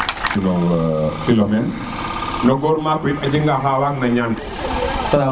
Philomène no goor maak we o xa wag na ñan